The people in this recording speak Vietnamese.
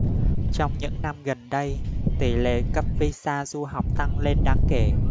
trong những năm gần đây tỷ lệ cấp visa du học tăng lên đáng kể